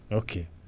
ok